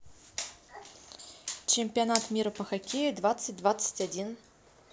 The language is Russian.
чемпионат мира по хоккею двадцать двадцать один